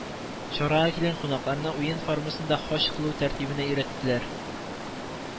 Чарага килгән кунакларны уен формасында хаҗ кылу тәртибенә өйрәттеләр